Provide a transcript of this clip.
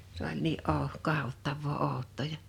se oli niin - katsottavaa outoa ja